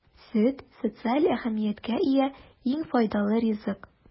Сөт - социаль әһәмияткә ия иң файдалы ризык.